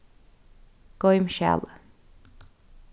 goym skjalið